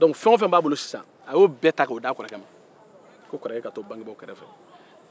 dɔnku fɛn o fɛn b'a bolo a y'o bɛɛ ta ka di kɔrɔkɛ ma